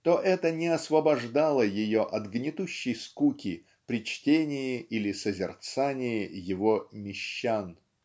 то это не освобождало ее от гнетущей скуки при чтении или созерцании его "Мещан".